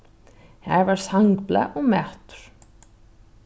har var sangblað og matur